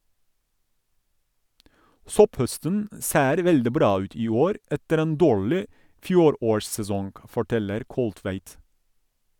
- Sopphøsten ser veldig bra ut i år, etter en dårlig fjorårssesong, forteller Kolltveit.